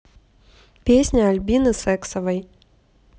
песня альбины сексовой